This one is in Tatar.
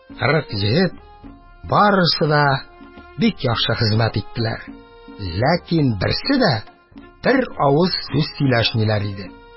Кырык егет барысы да бик яхшы хезмәт иттеләр, ләкин берсе дә бер авыз сүз сөйләшмиләр иде.